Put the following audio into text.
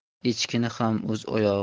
echkini ham o'z